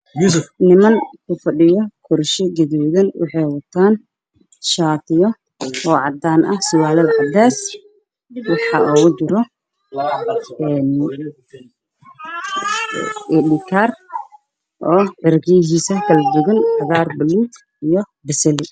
Meeshan waa meelay fadhiyaan dad farabadan ninka ugu soo horeeyo wuxuu wataa shaadi cabdi isruul cad